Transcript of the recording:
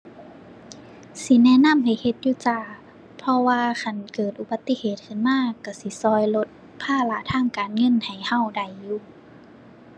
สิแนะนำให้เฮ็ดอยู่จ้า เพราะว่าคันเกิดอุบัติเหตุขึ้นมาก็สิก็ลดภาระทางการเงินให้ก็ได้อยู่